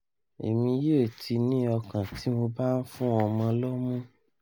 Emi yoo ti ni ọkan ti mo ba n fun ọmọ lọmu.